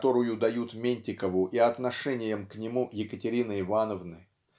которую дают Ментикову и отношениям к нему Екатерины Ивановны